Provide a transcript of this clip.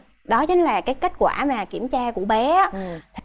đó chính là cái kết quả mà kiểm tra của bé